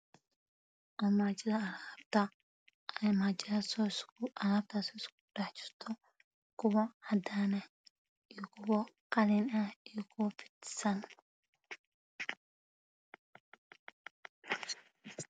Armaajo isku dhex jirto ku wa cadaan iyo ku wa fidsan